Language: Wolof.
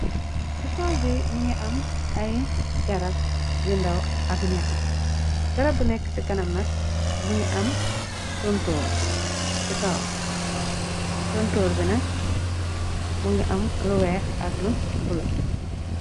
Si tol bi mu ngi am ay garab yu ndaw ak nax. Garab bu nekk si kanam nak mu ngi am tontoor bi nak, mu ngi am lu weex ak lu bulo.